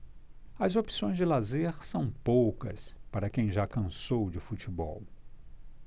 as opções de lazer são poucas para quem já cansou de futebol